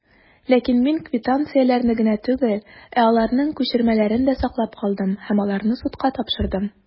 Ләкин мин квитанцияләрне генә түгел, ә аларның күчермәләрен дә саклап калдым, һәм аларны судка тапшырдым.